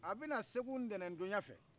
a bɛ na segu n'tɛnɛn donya fɛ